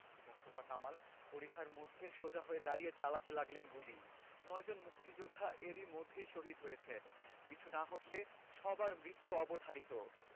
মোস্তফা কামাল পরিখার মধ্যে সোজা হয়ে দাঁড়িয়ে চালাতে লাগলেন গুলি নয়জন মুক্তিযোদ্ধা এর মধ্যেই শহিদ হয়েছেন পিছু না হটলে সবার মৃত্যু অবধারিত